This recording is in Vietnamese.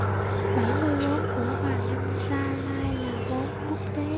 bảy mươi vốn của hoàng anh gia lai là vốn quốc tế